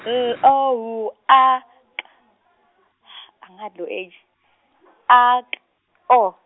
L O W A, K, H, A K O.